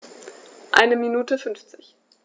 Eine Minute 50